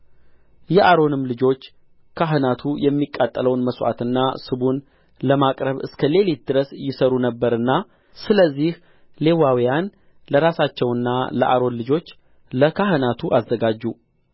የአሮንም ልጆች ካህናቱ የሚቃጠለውን መሥዋዕትና ስቡን ለማቅረብ እስከ ሌሊት ድረስ ይሠሩ ነበርና ስለዚህ ሌዋውያን ለራሳቸውና ለአሮን ልጆች ለካህናቱ አዘጋጁ